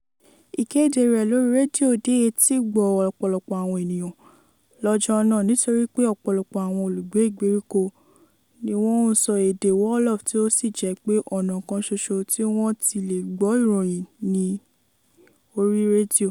Ìkéde rẹ lórí rédíò dé etí gbọ̀ọ́ ọ̀pọ̀lọpọ̀ àwọn ènìyàn lọ́jọ́ náà, nítorí pé ọ̀pọ̀lọpọ̀ àwọn olùgbé ìgbèríko ni wọ́n ń sọ èdè Wolof tí ó sì jẹ́ pé ọ̀nà kan ṣoṣo tí wọ́n ti le gbọ́ ìròyìn ní orí rédíò.